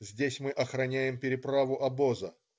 Здесь мы охраняем переправу обоза.